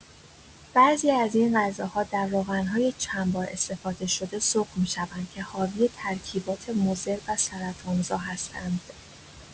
بعضی از این غذاها در روغن‌های چندبار استفاده‌شده سرخ می‌شوند که حاوی ترکیبات مضر و سرطان‌زا هستند.